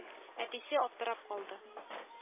Әтисе аптырап калды